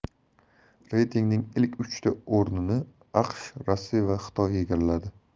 reytingning ilk uchta o'rnini aqsh rossiya va xitoy egalladi